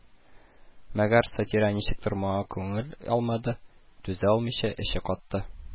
Мәгәр Сатирә ничектер моңа күнә алмады, түзә алмыйча эче катты